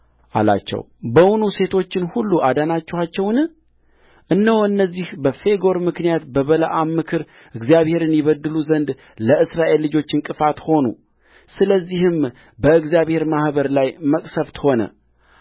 አላቸው በውኑ ሴቶችን ሁሉ አዳናችኋቸውን እነሆ እነዚህ በፌጎር ምክንያት በበለዓም ምክር እግዚአብሔርን ይበድሉ ዘንድ ለእስራኤል ልጆች ዕንቅፋት ሆኑ ስለዚህም በእግዚአብሔር ማኅበር ላይ መቅሠፍት ሆነ